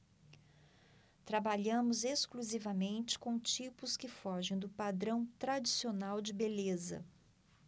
trabalhamos exclusivamente com tipos que fogem do padrão tradicional de beleza